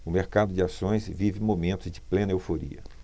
o mercado de ações vive momentos de plena euforia